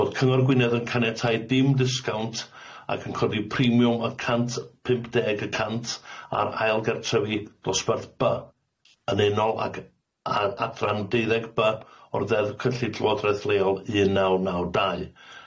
Fod Cyngor Gwynedd yn caniatáu dim disgawnt ac yn codi premiwm y cant pump deg y cant ar ail gartrefi dosbarth By yn unol ag a- adran deuddeg By o'r ddeddf cyllid llywodraeth leol un naw naw dau.